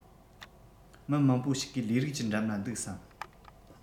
མི མང པོ ཞིག གིས ལས རིགས ཀྱི འགྲམ ན འདུག བསམ